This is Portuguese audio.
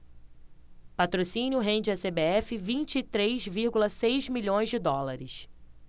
patrocínio rende à cbf vinte e três vírgula seis milhões de dólares